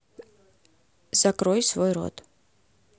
закрой свой рот